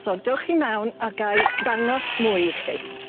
So dewch chi mewn a gai dangos mwy i chi.